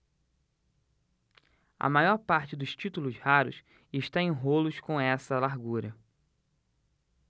a maior parte dos títulos raros está em rolos com essa largura